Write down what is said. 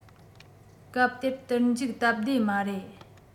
སྐབས དེར དུར འཇུག སྟབས བདེ མ རེད